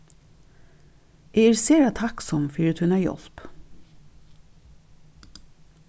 eg eri sera takksom fyri tína hjálp